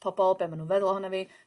...pobol be' ma' nw'n feddwl ohono fi.